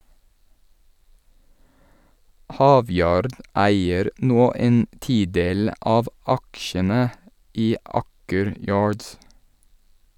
Havyard eier nå en tidel av aksjene i Aker Yards.